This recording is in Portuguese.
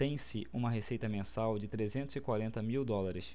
tem-se uma receita mensal de trezentos e quarenta mil dólares